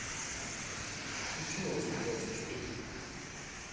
включи новости двадцать четыре